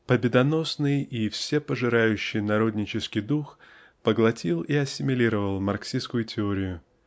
победоносный и всепожирающий народнический дух поглотил и ассимилировал марксистскую теорию